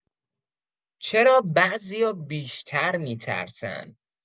چرا بعضیا بیشتر می‌ترسن؟